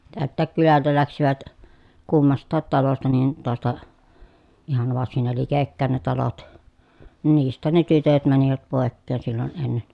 täältäkin kylältä lähtivät kummastakin talosta niin taasta ihan varsin ne likekkäin ne talot niin niistähän ne tytöt menivät pois silloin ennen